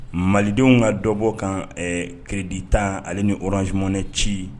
Malidenw ka dɔbɔ ka kiredi tan ale ni uranymɛ ci